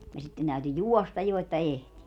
ja sitten täytyi juosta jo että ehti